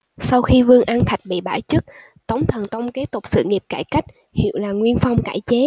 sau khi vương an thạch bị bãi chức tống thần tông kế tục sự nghiệp cải cách hiệu là nguyên phong cải chế